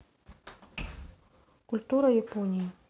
культура японии